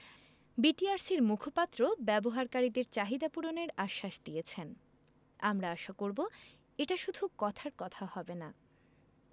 বিটিআরসির মুখপাত্র ব্যবহারকারীদের চাহিদা পূরণের আশ্বাস দিয়েছেন আমরা আশা করব এটা শুধু কথার কথা হবে না